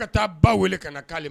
A ka taa ba weele ka na'